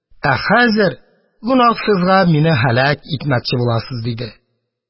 Ә хәзер гөнаһсызга мине һәлак итмәкче буласыз, – диде.